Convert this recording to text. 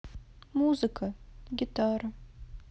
музыка гитара